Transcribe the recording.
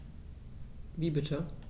Wie bitte?